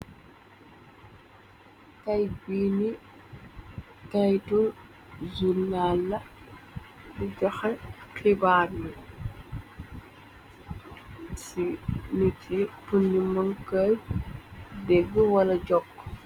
Këyit bi ni këyit zurnal la, bu joxa xibaar yi , ci niti puni mënkëy dégg wala jokk.